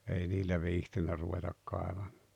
ei niillä viitsinyt ruveta kaivamaan